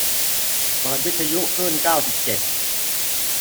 เปิดวิทยุคลื่นเก้าสิบเจ็ด